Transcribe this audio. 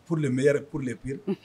Pour le meilleur pour le pire unhun